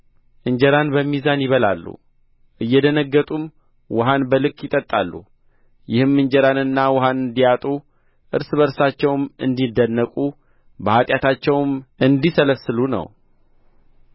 እንጀራን በሚዛን ይበላሉ እየደነገጡም ውኃን በልክ ይጠጣሉ ይህም እንጀራንና ውኃን እንዲያጡ እርስ በርሳቸውም እንዲደነቁ በኃጢአታቸውም እንዲሰለስሉ ነው